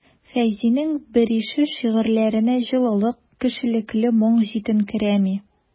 Фәйзинең берише шигырьләренә җылылык, кешелекле моң җитенкерәми.